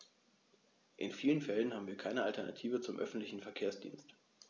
In vielen Fällen haben wir keine Alternative zum öffentlichen Verkehrsdienst.